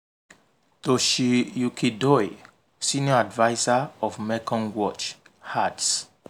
Toshiyuki Doi, senior adviser of Mekong watch, adds: